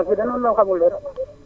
bi ma la wooyee woon keroog